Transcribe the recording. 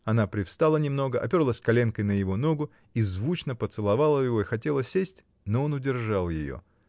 Она привстала немного, оперлась коленкой на его ногу и звучно поцеловала его и хотела сесть, но он удержал ее.